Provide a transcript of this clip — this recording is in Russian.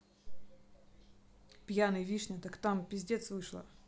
пьяная вишня так там пиздец вышла